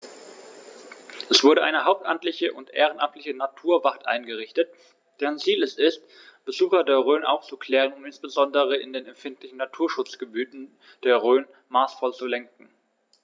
Es wurde eine hauptamtliche und ehrenamtliche Naturwacht eingerichtet, deren Ziel es ist, Besucher der Rhön aufzuklären und insbesondere in den empfindlichen Naturschutzgebieten der Rhön maßvoll zu lenken.